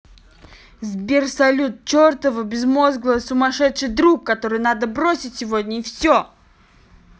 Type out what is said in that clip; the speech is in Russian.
сбер салюта чертова безмозглая сумасшедший друг который надо бросить сегодня и все